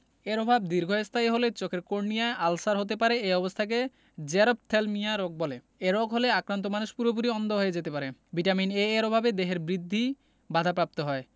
এর অভাব দীর্ঘস্থায়ী হলে চোখের কর্নিয়া আলসার হতে পারে এ অবস্থাকে জেরপ্থ্যালমিয়া রোগ বলে এই রোগ হলে আক্রান্ত মানুষ পুরোপুরি অন্ধ হয়ে যেতে পারে ভিটামিন A এর অভাবে দেহের বৃদ্ধি বাধাপ্রাপ্ত হয়